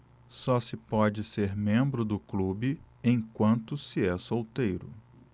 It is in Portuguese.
só se pode ser membro do clube enquanto se é solteiro